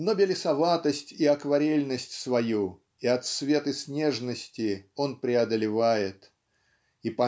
Но белесоватость и акварельность свою и отсветы снежности он преодолевает и